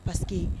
Paseke yen